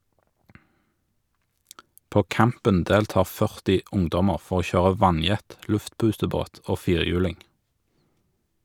På campen deltar 40 ungdommer for å kjøre vannjet, luftputebåt og firehjuling.